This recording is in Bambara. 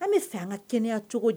An be fɛ an ŋa kɛnɛya cogodi